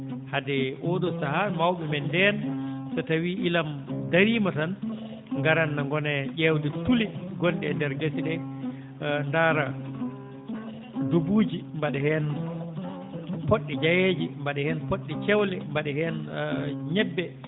hade oo ɗoo sahaa mawɓe men ndeen so tawii ilam dariima tan ngaratno ngona e ƴeewde tule ngonɗe e ndeer ngese ɗee ndaara dubuuji mbaɗa heen poɗɗe jayeeje mbaɗa heen poɗɗe cewle mbaɗa heen ñebbe